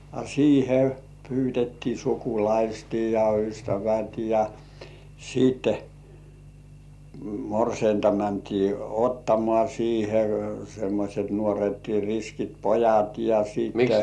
a siihen pyydettiin sukulaiset ja ystävät ja sitten morsianta mentiin ottamaan siihen semmoiset nuoret riskit pojat ja sitten